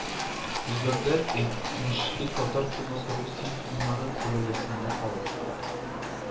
Үзбәкләр әйтмешли, татар киносы Русия фильмнары күләгәсендә кала